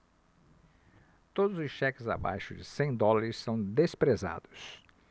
todos os cheques abaixo de cem dólares são desprezados